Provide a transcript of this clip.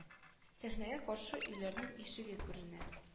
Сәхнәгә каршы өйләрнең ишеге күренә